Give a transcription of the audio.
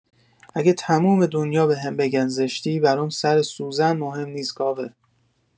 اگه تموم دنیا بهم بگن زشتی برام سر سوزن مهم نیست کاوه.